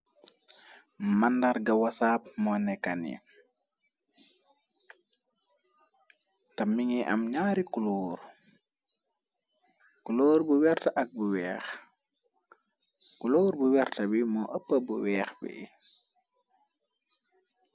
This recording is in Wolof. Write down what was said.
Mandarga wasaab moo nekkani ta mi ngi am naari kuloor ku lóor bu werta ak bu weex ku loor bu werta bi moo ëppa bu weex bi.